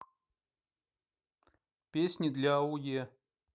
песни для ауе